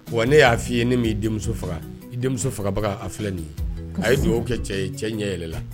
Wa ne y'a fɔ i ye ne'i denmuso faga i denmuso fagabaga a filɛ nin ye a ye dugawu kɛ cɛ ye cɛ ɲɛ yɛlɛla